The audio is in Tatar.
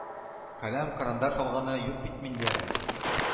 Каләм-карандаш алганы юк бит миндиярның.